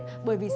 bởi vì